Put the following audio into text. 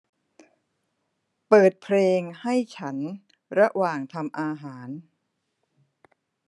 เปิดเพลงให้ฉันระหว่างทำอาหาร